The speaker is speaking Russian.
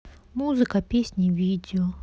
музыка песни видео